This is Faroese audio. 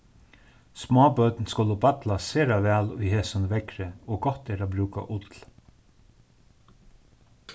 smábørn skulu ballast sera væl í hesum veðri og gott er at brúka ull